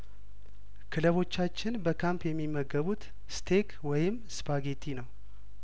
ክለቦቻችን በካምፕ የሚመ ገቡት ስቴክ ወይም ስፓ ጌቲ ነው